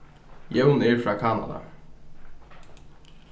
jón er frá kanada